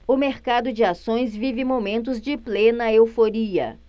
o mercado de ações vive momentos de plena euforia